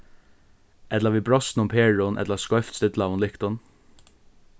ella við brostnum perum ella skeivt stillaðum lyktum